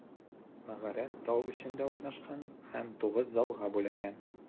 Мәгарә тау эчендә урнашкан һәм тугыз залга бүленгән.